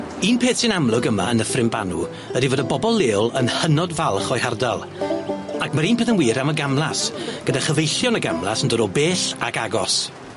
Un peth sy'n amlwg yma yn Nyffryn Banw ydi fod y bobol leol yn hynod falch o'i hardal, ac ma'r un peth yn wir am y gamlas gyda chyfeillion y gamlas yn dod o bell ag agos.